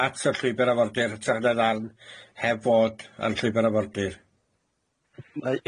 at y llwybyr arfordir 'n hytrach na heb fod ar llwybyr arfordir.